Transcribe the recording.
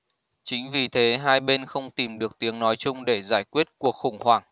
chính vì thế hai bên không tìm được tiếng nói chung để giải quyết cuộc khủng hoảng